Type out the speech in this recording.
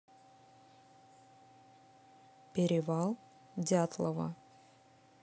перевал дятлова